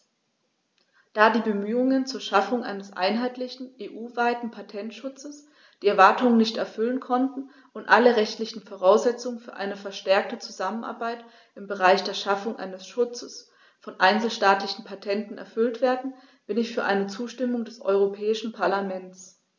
Da die Bemühungen zur Schaffung eines einheitlichen, EU-weiten Patentschutzes die Erwartungen nicht erfüllen konnten und alle rechtlichen Voraussetzungen für eine verstärkte Zusammenarbeit im Bereich der Schaffung eines Schutzes von einzelstaatlichen Patenten erfüllt werden, bin ich für eine Zustimmung des Europäischen Parlaments.